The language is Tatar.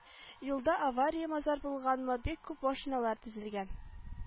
Юлда авария-мазар булганмы бик күп машиналар тезелгән